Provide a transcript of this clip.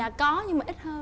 dạ có nhưng mà ít hơn